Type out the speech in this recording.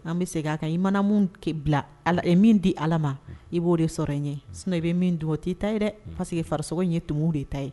An bɛ segin k'a kan i mana min bila min di ala ma i b'o de sɔrɔ i ɲɛ sun i bɛ min dugutigi' i ta ye dɛ paseke que faraso ye to de ta ye